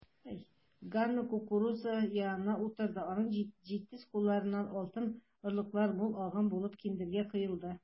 Ганна кукуруза янына утырды, аның җитез кулларыннан алтын орлыклар мул агым булып киндергә коелды.